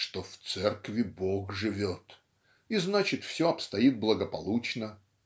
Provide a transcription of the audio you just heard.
что "в церкви Бог живет" и значит все обстою благополучно.